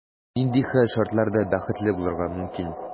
Нинди хәл-шартларда бәхетле булырга мөмкин?